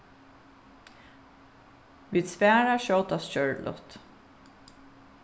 vit svara skjótast gjørligt